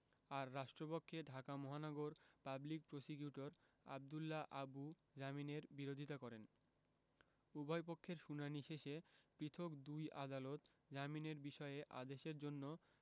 আর রাষ্ট্রপক্ষে ঢাকা মহানগর public prosecutor Abdullah Abu জামিনের বিরোধিতা করেন উভয়পক্ষের শুনানি শেষে পৃথক দুই আদালত জামিনের বিষয়ে আদেশের জন্য